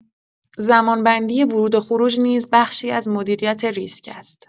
زمان‌بندی ورود و خروج نیز بخشی از مدیریت ریسک است.